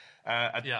Yy a ia.